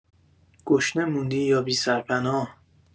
گشنه موندی یا بی‌سرپناه؟